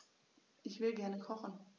Ich will gerne kochen.